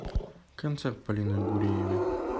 концерт полины агуреевой